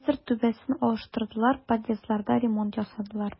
Хәзер түбәсен алыштырдылар, подъездларда ремонт ясадылар.